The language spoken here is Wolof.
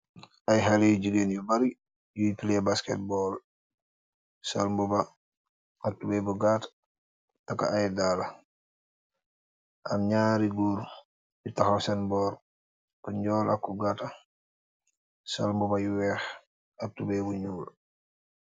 Ay xale yu jigeen yu bari yuy play basketball sol mbuba ak tubey bu gata taka ay daala am naari goor bi taxaw seen boor ka njool ak ku gata so mbuba yu weex ab tubee bu nuul.